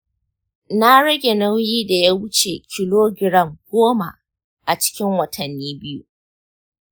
na rage nauyi da ya wuce kilogiram goma a cikin watanni biyu.